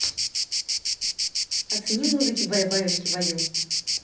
оцени музыки баю баюшки баю